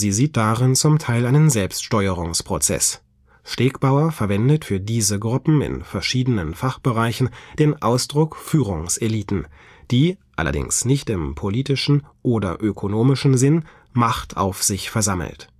Sie sieht darin zum Teil einen Selbststeuerungsprozess. Stegbauer verwendet für diese Gruppen (in verschiedenen Fachbereichen) den Ausdruck Führungseliten, die - allerdings nicht im politischen oder ökonomischen Sinn - Macht auf sich versammelt